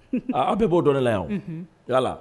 Aa aw bɛ bɔ dɔn ne la yan yala la